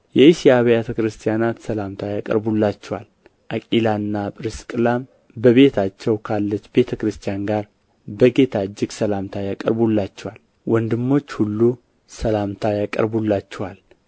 የእስያ አብያተ ክርስቲያናት ሰላምታ ያቀርቡላችኋል አቂላና ጵርስቅላ በቤታቸው ካለች ቤተ ክርስቲያን ጋር በጌታ እጅግ ሰላምታ ያቀርቡላችኋል ወንድሞች ሁሉ ሰላምታ ያቀርቡላችኋል